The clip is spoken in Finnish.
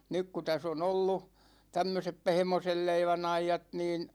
nyt kun tässä on ollut tämmöiset pehmoisen leivän ajat niin